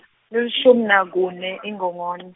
tilishumi nakune, iNgongoni.